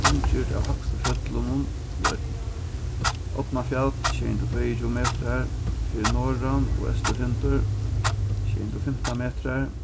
umgyrd av hægstu fjøllunum í oynni árnafjall sjey hundrað og tveyogtjúgu metrar fyri norðan og eysturtindur sjey hundrað og fimtan metrar